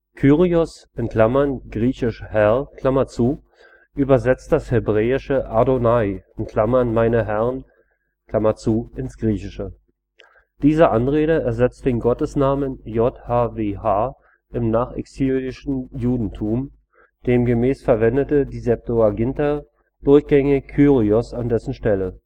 Kyrios (griechisch: Herr) übersetzt das hebräische Adonai („ meine Herren “) ins Griechische. Diese Anrede ersetzte den Gottesnamen JHWH im nachexilischen Judentum; demgemäß verwendete die Septuaginta durchgängig Kyrios an dessen Stelle